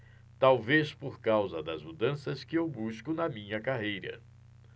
talvez por causa das mudanças que eu busco na minha carreira